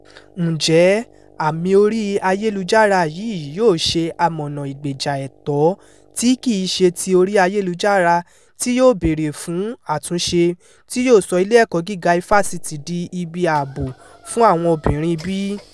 Ǹjẹ́ àmì orí ayélujára yìí yóò ṣe amọ̀nàa ìgbèjà ẹ̀tọ́ tí kì í ṣe ti orí ayélujára tí yóò béèrè fún àtúnṣe tí yóò sọ ilé ẹ̀kọ́ gíga ifásitì di ibi ààbò fún àwọn obìnrin bí?